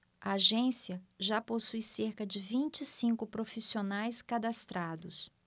a agência já possui cerca de vinte e cinco profissionais cadastrados